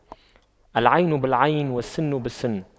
العين بالعين والسن بالسن